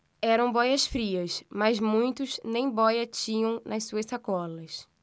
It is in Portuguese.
eram bóias-frias mas muitos nem bóia tinham nas suas sacolas